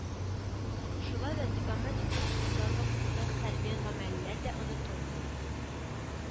Шулай да дипломатик тырышлыклар вакытында хәрби гамәлләр дә онытылмый